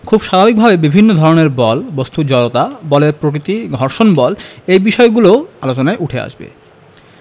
খুব স্বাভাবিকভাবেই বিভিন্ন ধরনের বল বস্তুর জড়তা বলের প্রকৃতি ঘর্ষণ বল এই বিষয়গুলোও আলোচনায় উঠে আসবে